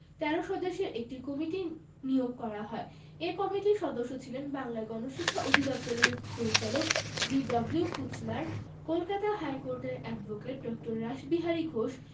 ১৩ সদস্যের একটি কমিটি নিয়োগ করা হয় এ কমিটির সদস্য ছিলেন বাংলার গণশিক্ষা অধিদপ্তরের পরিচালক জি.ডব্লিউ কুচলার কলকাতা হাইকোর্টের অ্যাডভোকেট ড. রাসবিহারী ঘোষ